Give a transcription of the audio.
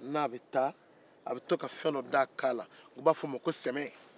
na a bɛ fɛn dɔ da a kan na ko sɛmɛ n'a bɛ bɔ